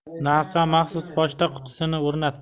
nasa maxsus pochta qutisini o'rnatdi